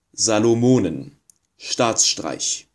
Salomonen: Staatsstreich